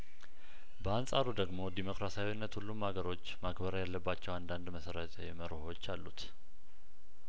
በአንጻሩ ደግሞ ዴሞክራሲያዊነት ሁሉም አገሮች ማክበር ያለባቸው አንዳንድ መሰረታዊ መርሆዎች አሉት